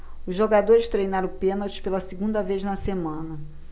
os jogadores treinaram pênaltis pela segunda vez na semana